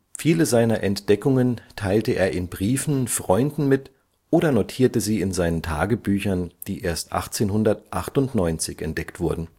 Viele seiner Entdeckungen teilte er in Briefen Freunden mit oder notierte sie in seinen Tagebüchern, die erst 1898 entdeckt wurden